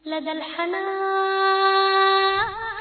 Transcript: Tile deliyan